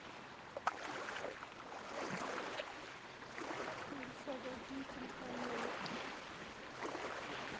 как нарисовать детям коня